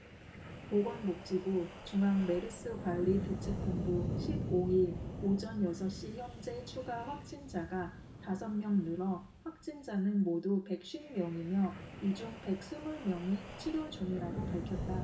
보건복지부 중앙메르스관리대책본부 십 오 일 오전 여섯 시 현재 추가 확진자가 다섯 명 늘어 확진자는 모두 백 쉰 명이며 이 중 백 스물 명이 치료 중이라고 밝혔다